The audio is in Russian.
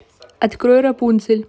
открой рапунцель